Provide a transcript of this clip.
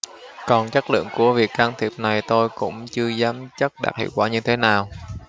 còn chất lượng của việc can thiệp này tôi cũng chưa dám chắc đạt hiệu quả như thế nào